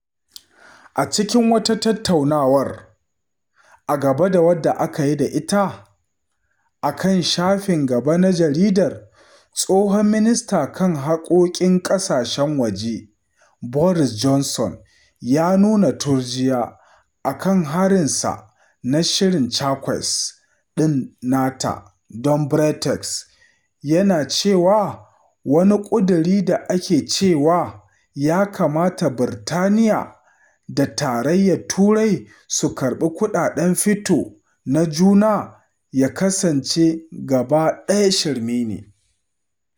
A cikin wata tattaunawar a gaba da wadda aka yi da ita a kan shafin gaba na jaridar, tsohon ministanta kan harkokin ƙasashen waje Boris Johnson ya nuna turjiya a kan harinsa na shirin Chequers ɗin nata don Brexit, yana cewa wani ƙudurin da ke cewa ya kamata Birtaniyya da Tarayyar Turai su karɓi kuɗaɗen fito na juna ya kasance “gaba ɗaya shirme ne.”